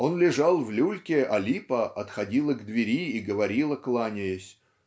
Он лежал в люльке, а Липа отходила к двери и говорила кланяясь